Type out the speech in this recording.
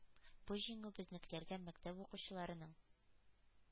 Бу җиңү безнекеләргә мәктәп укучыларының